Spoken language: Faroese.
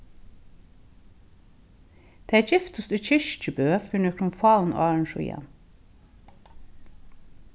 tey giftust í kirkjubø fyri nøkrum fáum árum síðan